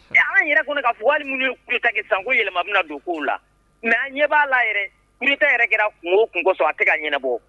Ɛ ala yɛrɛ kɔnɔ k ka f minnuta sanko yɛlɛmamina na don k' la mɛ a ɲɛ b'a la yɛrɛ kitɛ yɛrɛ kɛra kungo kunsɔ a tɛ ka ɲɛnabɔ